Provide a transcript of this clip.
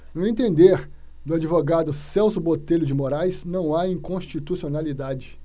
no entender do advogado celso botelho de moraes não há inconstitucionalidade